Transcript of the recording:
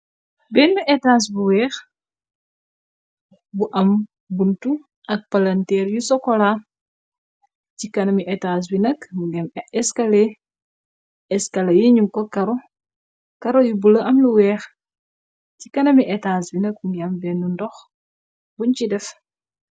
Benn etas bu weex bu am bunt ak palanteer yu sokola, ci kana mi etas bi nakk mungem eskala , eskala yiñu ko karo, karo yu bulo am lu weex, ci kana mi etas bi nakk mu ngiam benn ndox buñ ci def.